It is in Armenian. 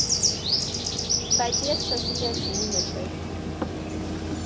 Բայց ես չսիրեցի, իմը չէր։